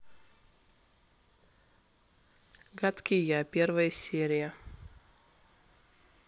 гадкий я первая серия